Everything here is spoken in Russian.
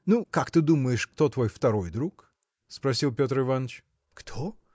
– Ну, как ты думаешь, кто твой второй друг? – спросил Петр Иваныч. – Кто?